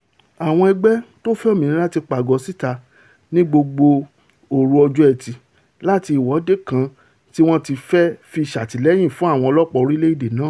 Àwọn ẹgbẹ́ tófẹ́ òmìnira ti pàgọ́ síta ní gbogbo òru ọjọ́ Ẹtì láti ìwọ́de kan tíwọ́n fẹ́ fi ṣàtìlẹyìn fún àwọn ọlọ́ọ̀pá orílẹ̀-èdè náà.